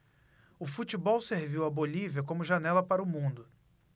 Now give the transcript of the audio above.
o futebol serviu à bolívia como janela para o mundo